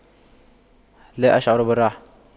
لا أشعر بالراحة